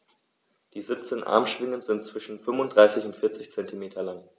Die 17 Armschwingen sind zwischen 35 und 40 cm lang.